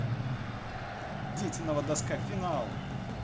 детинова доска final